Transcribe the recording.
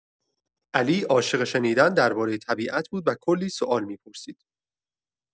علی عاشق شنیدن دربارۀ طبیعت بود و کلی سوال می‌پرسید.